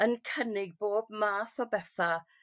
yn cynnig bob math o betha'